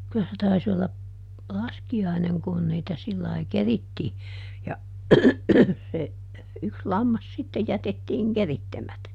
kyllä se taisi olla laskiainen kun niitä sillä lailla kerittiin ja se yksi lammas sitten jätettiin keritsemättä